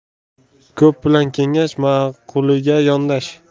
ko'p bilan kengash ma'quliga yondash